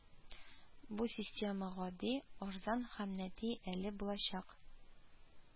Бу система гади, арзан һәм нәти әле булачак